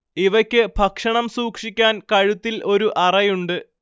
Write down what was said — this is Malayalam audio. ഇവയ്ക്ക് ഭക്ഷണം സൂക്ഷിക്കാൻ കഴുത്തിൽ ഒരു അറയുണ്ട്